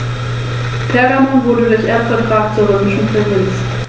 Der Schwanz der adulten Tiere ist braun und mehr oder weniger deutlich mit einigen helleren Bändern durchsetzt.